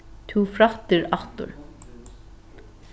tú frættir aftur